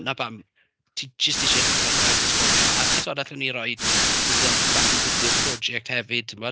'Na pam, ti jyst isie ryw fath o e- esbonio, a a timod allwn ni roid ryw bymff bach ambiti'r prosiect hefyd timod.